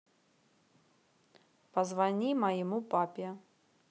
позвони моему папе